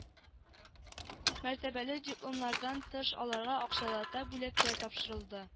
Мәртәбәле дипломнардан тыш аларга акчалата бүләкләр тапшырылды